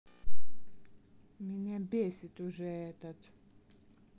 меня бесит уже этот